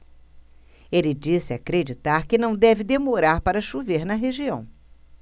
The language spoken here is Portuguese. ele disse acreditar que não deve demorar para chover na região